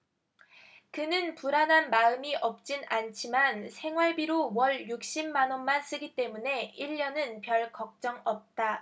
그는 불안한 마음이 없진 않지만 생활비로 월 육십 만원만 쓰기 때문에 일 년은 별걱정 없다